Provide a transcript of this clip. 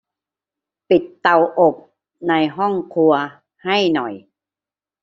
ปิดเตาอบในห้องครัวให้หน่อย